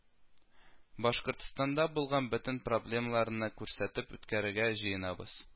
Башкортстанда булган бөтен проблемнарны күрсәтеп үтәргә җыенабыз